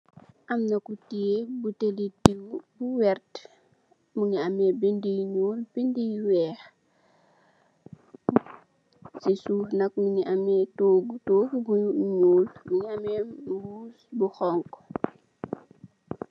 Am na ku tiye buteli diw bu werta, mu ngi amee bindë yu weex, si suuf nak mu ngi amee, toggu, toggu bu ñuul, mu ngi amee, bu xoñxu.